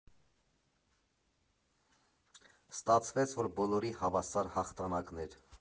Ստացվեց, որ բոլորի հավասար հաղթանակն էր։